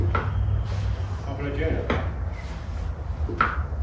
hann fer at gera hatta aftur